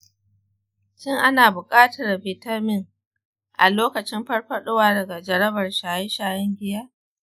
shin ana buƙatar bitamin a lokacin farfadowa daga jarabar shaye-shayen giya?